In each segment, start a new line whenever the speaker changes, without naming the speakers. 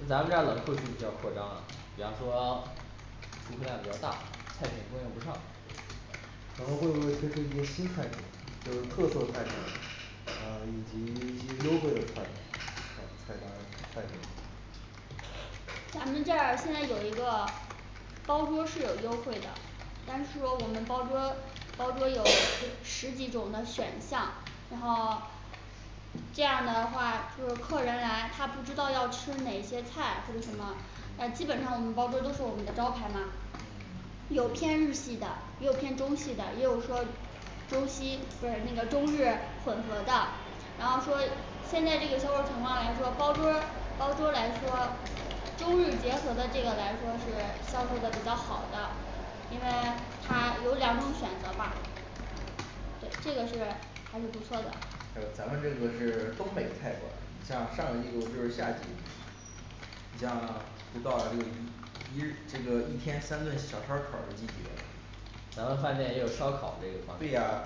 那咱们这儿冷库区需要扩张啊，比方说出货量比较大，菜品供应不上，
咱们会不会推出一些新菜品？就是特色菜品还有以及一些优惠的菜菜菜单菜品
咱们这儿现在有一个包桌是有优惠的但是说我们包桌儿包桌儿有十几种的选项，然后这样的话就是客人来他不知道要吃哪一些菜或者什么呃基本上我们包桌儿都是我们的招牌嘛
嗯
有偏日系的，也有偏中系的，也有说中西不是那个中日混合的，然后说现在这个销售情况来说包桌儿包桌儿来说，中日结合的这个来说是销售的比较好的，因为它有两种选择嘛，对这个是还是不错的。
还有咱们这个是东北菜馆儿你像上个季度就是夏季，你像就到这个一一日这个一天三顿小烧烤儿的季节
咱们饭店也有烧烤这个方
对
面
呀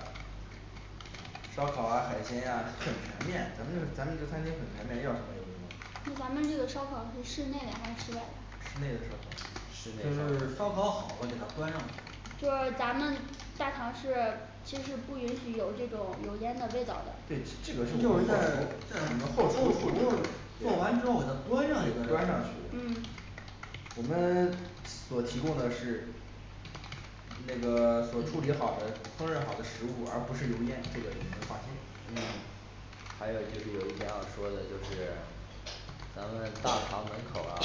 烧烤啊海鲜啊很全面，咱们这咱们这个餐厅很全面，要什么有什么。
那咱们这个烧烤是室内的还是室外
室内的烧
的？
烤
室内
就是
烧烤
烧烤好了给它端上去
就是咱们大堂是其实不允许有这种油烟的味道的
这
对，这个是咱们后
就是
厨
在
儿
在
咱们
后
后
厨
厨儿
儿
对
做完之后给它端
端
上
上
去
去的
嗯
我们 所提供的是那个所处理好的烹饪好的食物，而不是油烟，这个你们放心
嗯还有一是有一点要说的就是咱们大堂门口儿啊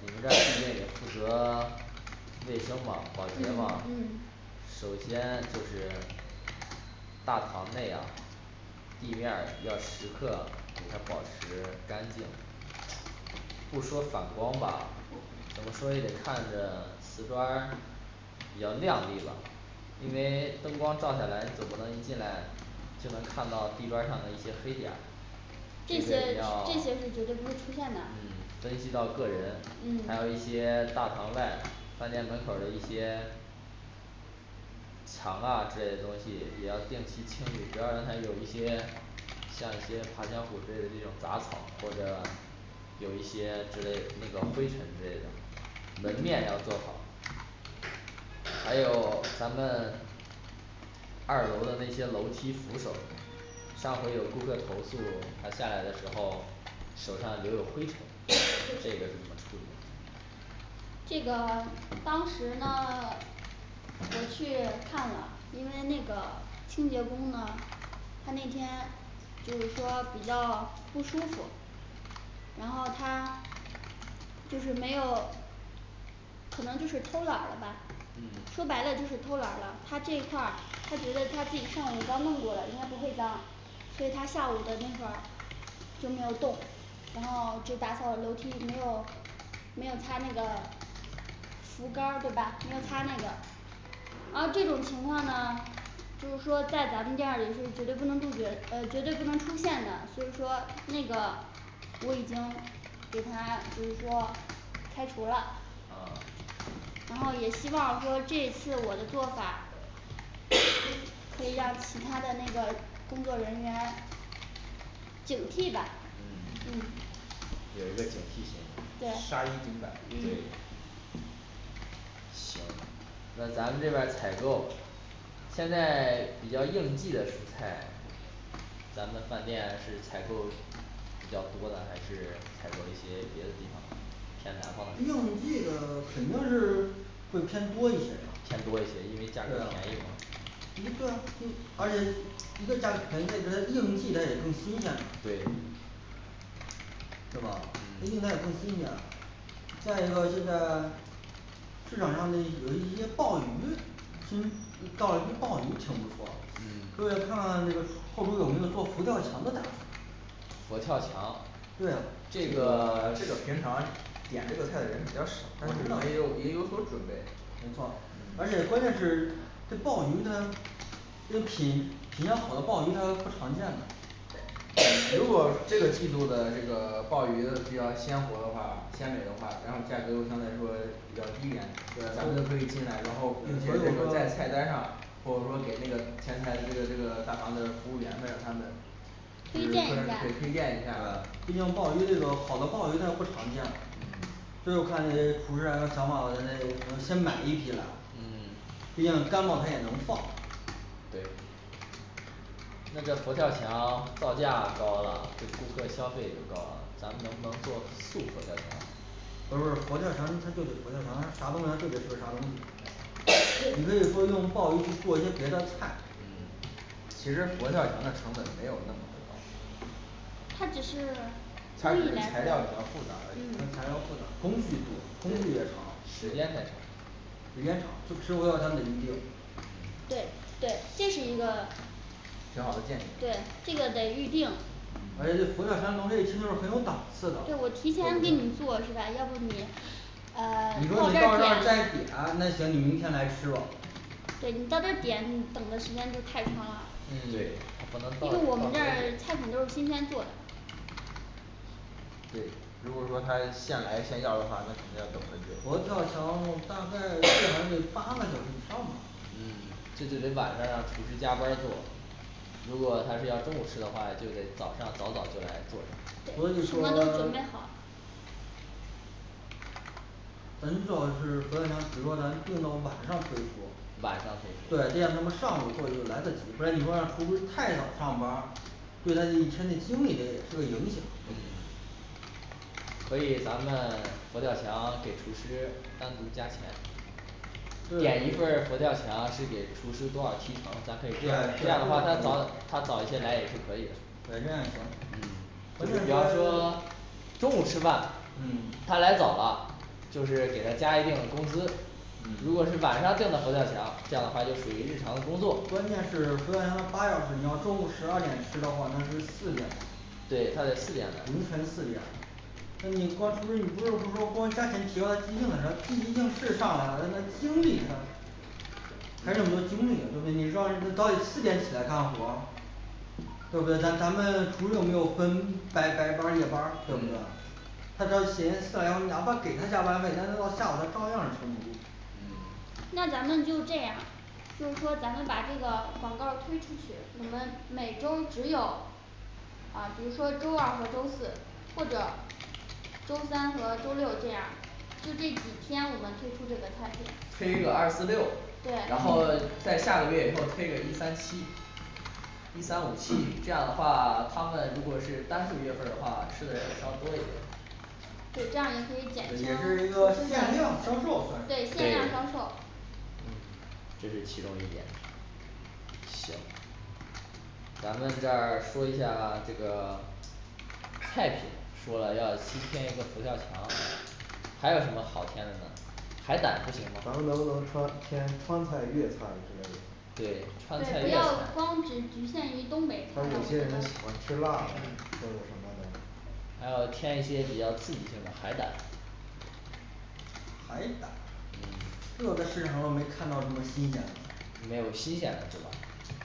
你们那儿是那个负责 卫生嘛保洁
嗯
嘛
嗯
首先就是大堂内啊地面儿要时刻给它保持干净不说反光吧怎么说也得看着瓷砖儿比较靓丽吧因为灯光照下来总不能进来，就能看到地砖儿上的一些黑点儿
这
这些
些
要
这些是绝对不会出现的，
嗯登记到个人
嗯，
还有一些大堂外饭店门口儿的一些墙啊之类的东西也要定期清理，不要让他有一些像一些爬墙虎之类的这种杂草或者有一些之类那个灰尘之类的门面要
嗯
做好还有咱们二楼的那些楼梯扶手上回有顾客投诉他下来的时候手上留有灰尘，这个是怎么处理的
这个当时呢 我去看了，因为那个清洁工呢他那天就是说比较不舒服然后他就是没有可能就是偷懒了吧
嗯
说白了就是偷懒儿了，他这一块儿他觉得他自己上午刚弄过了，应该不会脏所以他下午的那会儿就没有动然后只打扫了楼梯没有没有擦那个扶杆儿对吧没有擦
嗯
那个而这种情况呢就是说在咱们店儿里是这些绝对不能杜绝，呃绝对不能出现的就是说那个我已经给他就是说开除了
嗯
然后也希望说这次我的做法可以让其他的那个工作人员警惕吧嗯
嗯有
对
一
嗯
个警惕性，杀一儆百
对
行那咱们这边儿采购现在 比较应季的蔬菜咱们的饭店是采购比较多呢，还是采购一些别的地方的偏南方的，偏
应季的肯定是会偏多一些吧，对
多一些因为价格便宜
呀
吗
比对啊比而且一个价格便宜再一个它应季它也更新鲜嘛，
对
对吧？它应该也更
嗯
新鲜。再一个现在市场上这有一些鲍鱼新到一批鲍鱼挺不错
嗯，
如果要看看这个后厨有没有做佛跳墙的大厨
佛跳墙
对啊
这个
这个平常点这个菜的人比较少
我知道，
也有也有所准备
没错，
嗯
而且关键是这鲍鱼它这品品相好的鲍鱼它不常见
如果这个季度的这个鲍鱼都比较鲜活的话，鲜美的话，然后价格又相对来说比较低点
对就是，所以我说，
咱们就可以进来，然后并且这个在菜单上或者说给那个前台这个这个大堂的服务员们，让他们就是
推
客
荐
人
一下
给
儿，
推荐一下
对，毕竟这个鲍鱼好的鲍鱼它不常见所以我看这厨师长有想法咱得先买一批来
嗯
毕竟干鲍它也能放。
对
那这佛跳墙造价高了，这顾客消费也就高了，咱们能不能做素佛跳墙
不是不是佛跳墙，它就得佛跳墙，它是啥东西就得是个啥东
对
西你可以说用鲍鱼去做一些别的菜
嗯
其实佛跳墙的成本没有那么的高
它只是历
它只是
来
材料比较复杂而已，时
嗯
它材料复杂，工序多，工序也长
间太长
时间长就吃佛跳他们得预定
对对，这是一个
挺好的建
对这个得预
议
定
嗯，
而且
对
这佛跳墙他们一听就是很有档次的对不
我
对，
提前给你们做是吧？要不你呃
你说
到
你
这
到这儿
儿
再点
点，
那行你明天来吃吧
对，你到这儿点你等的时间就太长了，因为
对
嗯
不能放，
我
放东
们这
西
儿菜品都是新鲜做的
对，如果说他现来现要的话，那肯定要等很久
佛跳墙，大概最少也得八个小时以上吧，
嗯这就得晚上让厨师加班儿做
如果他是要中午吃的话，就得早上早早就来做
所
对
以
什
说
么都准备好
咱最好是佛跳墙比如说咱定到晚上推
晚上
出
推，
对这样他们上午做就来得及，不然你说让厨师太早上班儿对他的一天的精力这也是个影响，
对对
对不对？
可以咱们佛跳墙给厨师单独加钱
点一
对
份儿佛跳墙是给厨师多少提成，咱
对对对
可以
这
这样这样的话他早他早一些来也是可以的，
样也行
嗯
就比方说中午吃饭
嗯
他来早了，就是给他加一定的工资
嗯
如果是晚上定的佛跳墙，这样的话就属于日常的工作，
关键是佛跳墙它八小时你要中午十二点吃的话，那是四点
对他得四点来
凌晨四点那你光厨师你不是不说光加钱提高他积极性的事儿，他积极性是上来了，但他精力给他还有那么多精力呢对不对？你说到时早起四点起来干活儿对不对？咱咱们厨师又没有分白白班儿夜班儿，对不对他只要心哪怕给他加班费，但是到下午他照样儿撑不住
嗯
那咱们就这样就是说咱们把这个广告儿推出去，你们每周只有啊比如说周二和周四或者周三和周六这样，就这几天我们推出这个菜品
推一个二四六，
对
然后再下个月以后推一个一三七，一三五七，这样的话他们如果是单数月份儿的话，吃的人稍多一点
对，这样也可以减
也
轻，
是
对
一个限量销售算
限量
是
对
销售，
嗯这是其中一点行咱们这儿说一下儿这个菜品说了要新添一个佛跳墙还有什么好添的呢海胆不行
啊咱
吗
们能不能川添川菜、粤菜儿之类的。
对川菜
对不
粤菜，
要光只局限于东北，
他有些人喜欢吃辣或者什么的，
还要添一些比较刺激性的海胆
海胆
嗯
这我在市场上都没看到什么新鲜的
没有新鲜的是吧？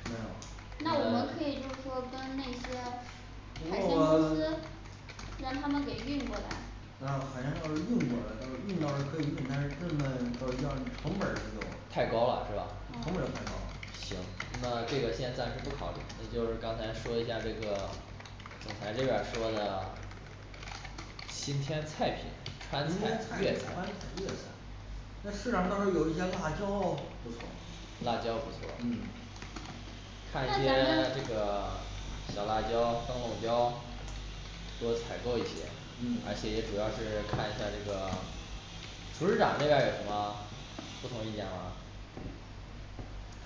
没有
那我们
那
可以就是说跟那些海鲜
不过
公司
我
让他们给运过来
啊海鲜要是运过来到运倒是可以运，但是这么着一样成本儿它就成本儿就
太
太
高
高
了
了
是吧行。那这个先暂时不考虑，那就是刚才说一下儿这个总裁这边儿说了新添菜品
一个菜品
川
川
菜
菜粤
粤
菜
菜
那市场倒是有一些辣椒
辣椒
不
不错
错，嗯
那
看一
咱
些 这
们
个小辣椒灯笼椒多采购一些
嗯，
而且也主要是看一下这个。厨师长这边儿有什么不同意见吗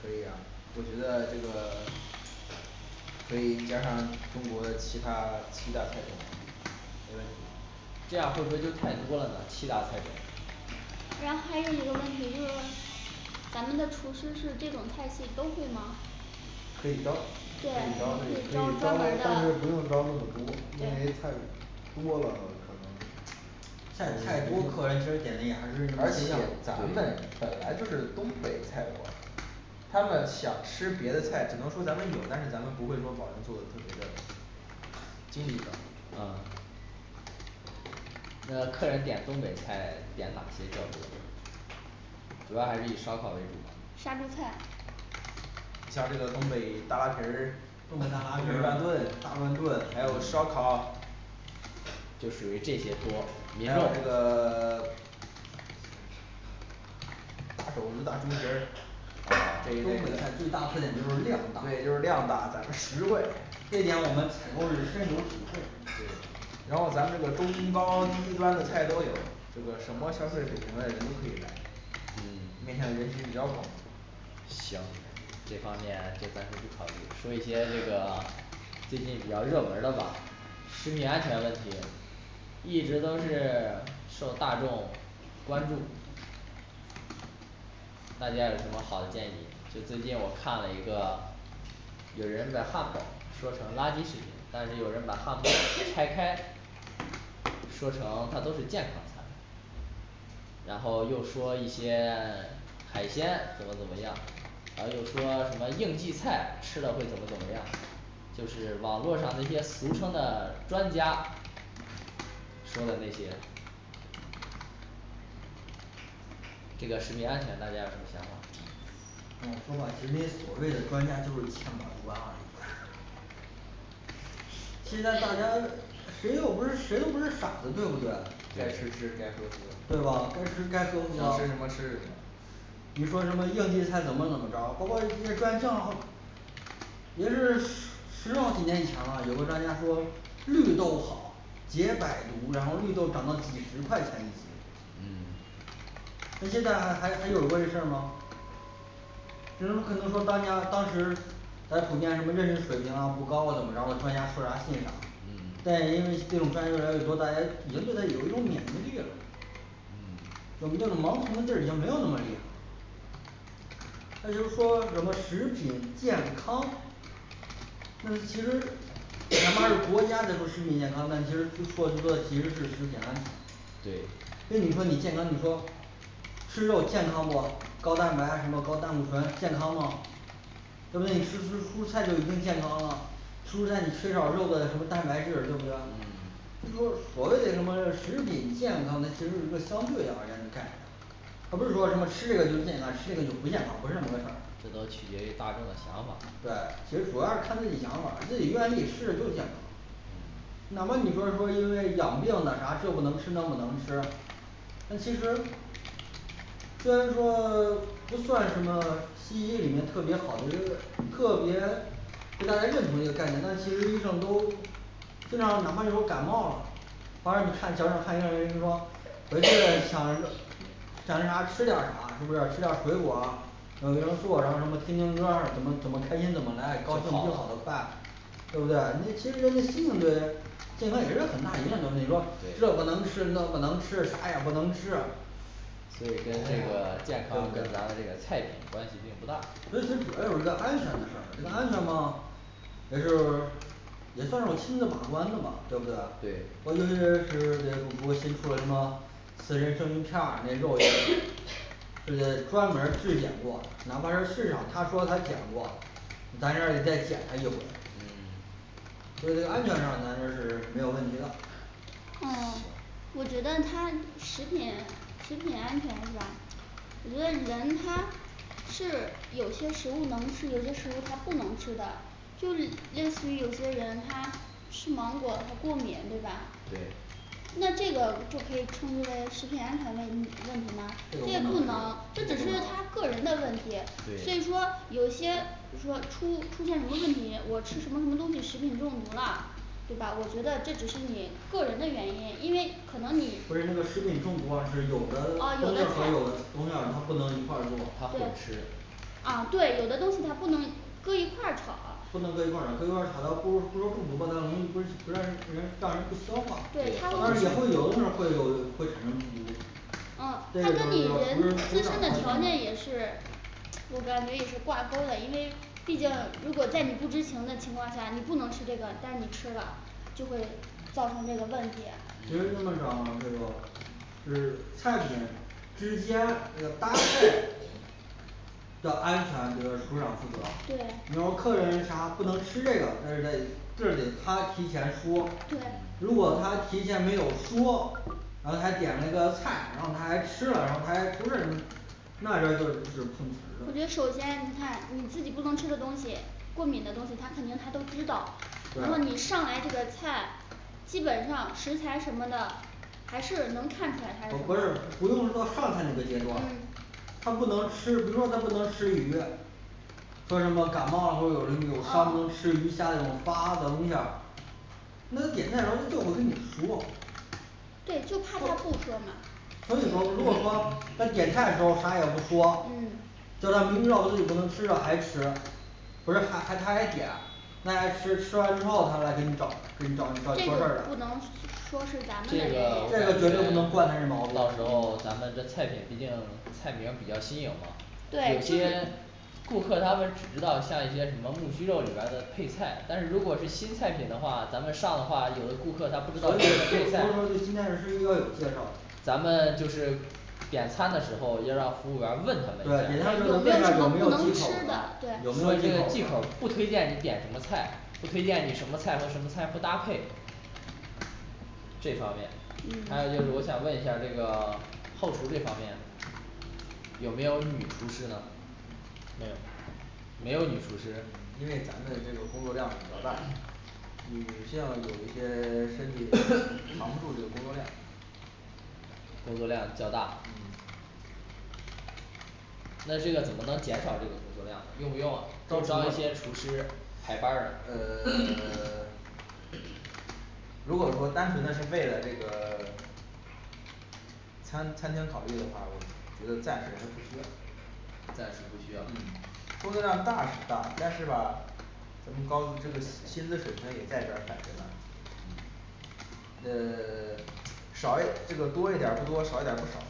可以啊我觉得这个 可以加上中国其他七大菜品没问题
这样会不会就太多了呢，七大菜品
然后还有一个问题，就是咱们的厨师是这种菜系都会吗？
可以招
可以
对
招
可
对可
以
以
招
招但是
专
不用
门
招那么
儿
多
的，
因为
对
太多了可能
菜太多，客人就点的也还是
而
那些
且
样
咱们
对
本来就是东北菜馆儿
他们想吃别的菜只能说咱们有，但是咱们不会说保证做的特别的
尽力做
嗯那客人点东北菜点哪些较多
主要还是以烧烤为
杀猪
主
菜
你像这个东北大拉皮儿
东北大拉皮，、大
大
乱
乱炖
炖，
还有烧烤，就属于这些多，连上这个 大肘子大猪蹄儿这一些，
东
对，
北菜最大特点就是量
就是量大
大
实惠，，对
这点我们采购是深有体会。
然后咱这个中高低端的菜都有这个什么消费水平的人都可以来
嗯
面向人群比较广
行这方面就暂时不考虑说一些这个最近比较热门儿的嘛食品安全问题一直都是受大众关注大家有什么好的建议，就最近我看了一个有人把汉堡说成垃圾食品，但是有人把汉堡拆开，说成它都是健康餐然后又说一些海鲜怎么怎么样还有说什么应季菜吃了会怎么怎么样？就是网络上那些俗称的专家说的那些这个食品安全大家有什么想法？
那我说吧其实那些所谓的专家就是欠搬儿砖而已现在大家谁又不是谁都不是傻子，对不对？
该吃吃该喝
对吧
喝？
该吃该喝喝
想吃什么吃什么
你说什么应季菜怎么怎么着，包括一些专将也是十十好几年以前了，有个专家说绿豆好解百毒，然后绿豆涨到几十块钱一斤，
嗯
那现在还还有过这事儿吗？这有可能说当家当时咱普遍什么认识水平啊不高啊怎么着专家说啥信啥。
嗯
但因为这种专家越来越多，大家已经对他有一种免疫力了我们都是盲从的劲儿已经没有那么厉害那些说什么食品健康，就是其实前面儿国家在说食品健康，但其实说是说其实是食品安全
对
那你说你健康你说吃肉健康不高蛋白什么高胆固醇健康吗？对不对？你吃蔬蔬菜就一定健康了，蔬菜你缺少肉的什么蛋白质对不对？
嗯
就是说所谓的什么食品健康，它其实是一个相对而言的概念，他不是说什么吃这个就健康，吃这个就不健康，不是这么个事儿，
这
对
都，
其
取决于大众的想法
实主要是看自己想法儿，自己愿意吃的就是健康。哪怕你说说因为养病的啥，这不能吃那不能吃但其实虽然说不算什么西医里面特别好的一个特别不大家认同一个概念，但其实医生都经常哪怕你说感冒了反正你看假如说看病人家就说回去想想吃啥吃点儿啥，是不是吃点儿水果儿有维生素啊，然后什么听听歌儿怎么怎么开心怎么来高兴病好的快对不对？你其实人的心情对健康也是很大影响的，你说这不能吃那不能吃，啥也不能吃
所以跟这个健康
对
跟咱
不
们这个
对
菜品关系并不大
所以其实主要就是一个安全的事儿，这个安全吗也是也算是我亲自把关的吧，对不对
对？
我就是是人家给我新出了什么刺身生鱼片儿那肉也这得专门儿质检过，哪怕是市场他说他检过咱这儿也再检它一回
嗯
所以这安全上咱这儿是没有问题的。
嗯
行
我觉得它食品食品安全是吧我觉得人他是有些食物能吃，有些食物他不能吃的，就类似于有些人他吃芒果他过敏对吧？
对
那这个就可以称之为食品安全问问题吗，这
这个不
不能
能
这
这个
只
不
是
能
他个人的问题，
对
所以说有些就说出出现什么问题，我吃什么什么东西食品中毒了对吧？我觉得这只是你个人的原因，因为可能你，啊
不是那个食品中毒啊，是有的
有
东西
的
儿
菜，
和
对
有的东西儿它不能一块儿做，
怕混吃
啊对，有的东西它不能搁一块儿炒，
不能搁一
对
块儿炒，搁一块儿炒它不说不说中毒吧它容易不是不让人让人不消化，
它
但是也会有东西儿会有会产生病毒但是就是说厨师厨师
嗯他跟你人自身的条
长
件也是我感觉也是挂钩的，因为毕竟如果在你不知情的情况下，你不能吃这个，但你吃了就会造成这个问题
&嗯&其实这么讲这个是菜品之间这个搭配的安全这个厨师长负责
对，
你要客人啥不能吃这个这是得这是得他提前说
对，
如果他提前没有说，然后他点那个菜，然后他还吃了，然后他还出事儿。那那这就是就是碰瓷儿
我觉得首先你
的，
看你自己不能吃的东西过敏的东西他肯定他都知道，然后
对
你上来这个菜基本上食材什么的，还是能看出来它是嗯
呃不是不用到上菜那个阶段儿他不能吃，比如说他不能吃鱼说什么感冒了会有人有伤不能吃鱼虾这种发的东西啊那点菜时候他就会跟你说。
对，就怕他不说嘛
所以说如果说他点菜的时候啥也不说
嗯
叫他明知道自己不能吃的还吃不是还还他还点，那还吃吃完之后他来给你找给你找找你说事
这
儿
不
来
能说是
这
咱们的原
个
因
我感
这
觉
个绝对不能惯他这毛病，
到时候咱们这菜品毕竟菜名儿比较新颖嘛有
对就
些顾客他们只知道像一些什么木须肉里边儿的配菜，但是如果是新菜品的话，咱们上的话有的顾客他
所以所以说这
不知道，咱
新菜品是应该有介绍
们就是，点餐的时候，要让服务员儿问他们一
对
下，对
点餐的时
有
候就得
这
问他有
没
没
有不
有忌
能吃
口的
的对，
有没有
个忌
忌
口
口
儿
的
不推荐你点什么菜，不推荐你什么菜和什么菜不搭配。这方面
嗯
还有就是我想问一下儿这个后厨这方面有没有女厨师呢
没有
没有女厨师，
因为咱们的这个工作量比较大，女性有一些身体 抗不住这个工作量
工作量较大
嗯
那这个怎么能减少这个工作量，用不用
招
招一些
厨师
厨师排班儿
呃
呢
如果说单纯的是为了这个 餐餐厅考虑的话，我觉得暂时还不需要
暂时不需要
嗯
工作量大是大，但是吧咱们高厨这个薪资水平也在这儿摆着呢
嗯
呃 少一这个多一点儿不多少一点儿不少